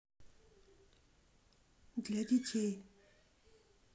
для детей